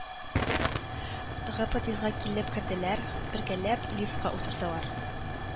Гы подъездга килеп керделәр, бергәләп лифтка утырдылар